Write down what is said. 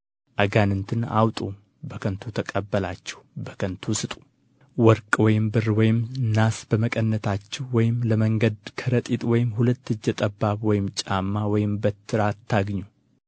አጋንንትን አውጡ በከንቱ ተቀበላችሁ በከንቱ ስጡ ወርቅ ወይም ብር ወይም ናስ በመቀነታችሁ ወይም ለመንገድ ከረጢት ወይም ሁለት እጀ ጠባብ ወይም ጫማ ወይም በትር አታግኙ